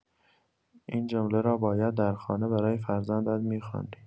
این جمله را باید در خانه برای فرزندت می‌خواندی!